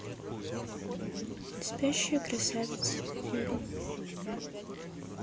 спящая красавица фильм